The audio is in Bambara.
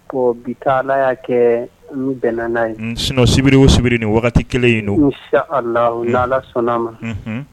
Bi taa y'a kɛ n bɛnna ye sunsibi wosibiri ni wagati kelen inlalala sɔnna ma